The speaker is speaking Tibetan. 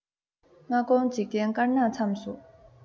སྔ དགོང འཇིག རྟེན དཀར ནག མཚམས སུ